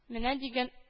Менә дигән